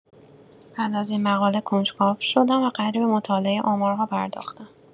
بعد از این مقاله کنجکاو شدم و قدری به مطالعه آمارها پرداختم.